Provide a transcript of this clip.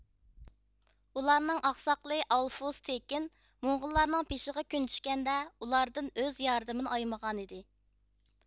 ئۇلارنىڭ ئاقساقىلى ئالفۇس تېكىن موڭغۇللارنىڭ بېشىغا كۈن چۈشكەندە ئۇلاردىن ئۆز ياردىمىنى ئايىمىغانىدى